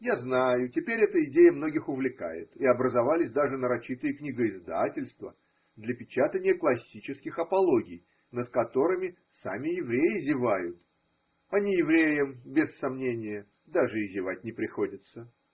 Я знаю, теперь эта идея многих увлекает, и образовались даже нарочитые книгоиздательства для печатания классических апологий, над которыми сами евреи зевают, а неевреям, без сомнения, даже и зевать не приходится.